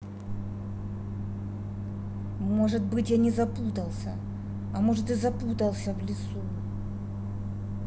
может быть я не запутался а может и запутался в лесу